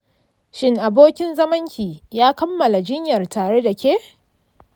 shin abokin zamanki ya kammala jinyar tare da ke?